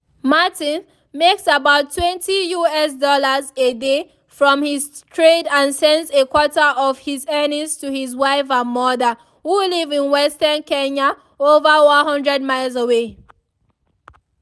Martin makes about US$ 20 a day from his trade and sends a quarter of his earnings to his wife and mother, who live in Western Kenya, over 100 miles away.